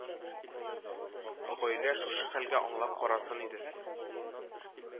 Гаилә шушы хәлгә аңлап карасын иде